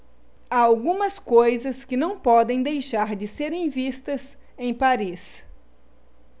há algumas coisas que não podem deixar de serem vistas em paris